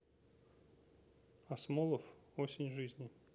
асмолов осень жизни